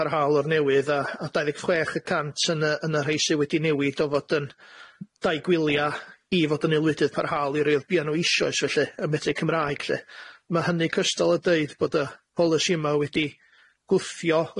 parhaol o'r newydd a a dau ddeg chwech y cant yn y yn y rhei sy wedi newid o fod yn dau gwylia i fod yn aelwydydd parhaol i rei o'dd bia nhw eisoes felly y meddyg Cymraeg lly ma' hynny cystal a deud bod y polisi yma wedi gwthio